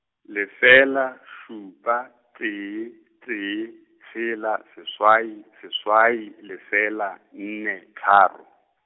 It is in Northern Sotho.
lefela, šupa, tee, tee, tshela, seswai, seswai, lefela, nne, tharo.